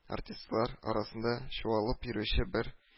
Артистлар арасында чуалып йөрүче бер